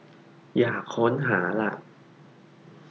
อยากค้นหาละ